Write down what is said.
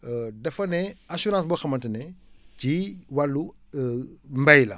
dafa ne assurance boo xamante ne ci wàllu mbéy la